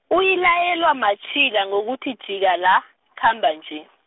uyilayelwa matjhila ngokuthi jika la, khamba nje.